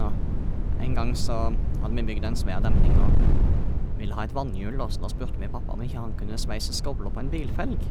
Og en gang så hadde vi bygd en svær demning og ville ha et vannhjul, da, så da spurte vi pappa om ikke han kunne sveise skovler på en bilfelg.